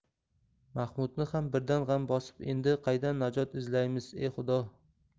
mahmudni ham birdan g'am bosib endi qaydan najot izlaymiz e xudo